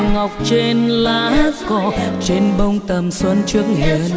ngọc trên lá cỏ trên bông tầm xuân trước hiên